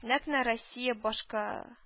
Нәкъ менә россия башкаа